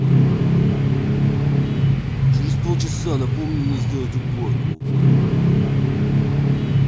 через полчаса напомни мне сделать уборку